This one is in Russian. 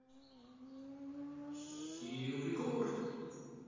cirio рекорд